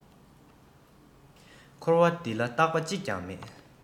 འཁོར བ འདི ལ རྟག པ གཅིག ཀྱང མེད